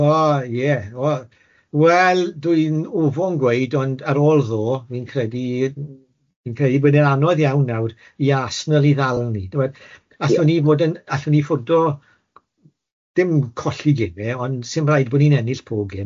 O ie wel wel dwi'n ofon gweud ond ar ôl ddo' fi'n credu fi'n credu bod e'n anodd iawn nawr i Arsenal i ddal ni ti'bod allwn ni fod yym allwn ni ffordo dim colli geme ond 'sdim raid bod ni'n ennill pob gêm.